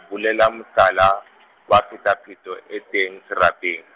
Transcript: bolela mohlala, wa phetapheto e teng, serapeng.